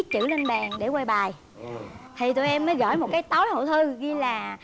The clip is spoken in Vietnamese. viết chữ lên bàn để quay bài thì tụi em mới gửi một cái tối hậu thư ghi là